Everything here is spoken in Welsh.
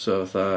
So fatha...